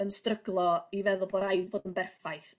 yn stryglo i feddwl bo' raid bod yn berffaith.